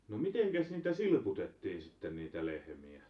no mitenkäs niitä silputettiin sitten niitä lehmiä